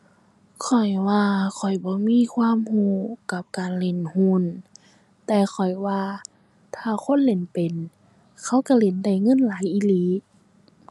ข้อยว่าข้อยบ่มีความรู้กับการเล่นหุ้น แต่ข้อยว่าถ้าคนเล่นเป็นเขารู้เล่นได้เงินหลายอีหลี